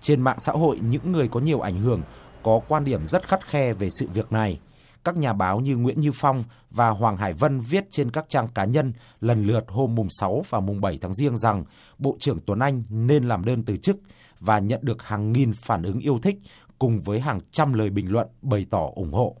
trên mạng xã hội những người có nhiều ảnh hưởng có quan điểm rất khắt khe về sự việc này các nhà báo như nguyễn như phong và hoàng hải vân viết trên các trang cá nhân lần lượt hôm mùng sáu và mùng bảy tháng giêng rằng bộ trưởng tuấn anh nên làm đơn từ chức và nhận được hàng nghìn phản ứng yêu thích cùng với hàng trăm lời bình luận bày tỏ ủng hộ